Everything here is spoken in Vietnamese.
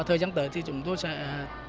thời gian tới khi chúng tôi sẽ